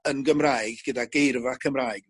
yn Gymraeg gyda geirfa Cymraeg